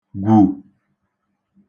gwù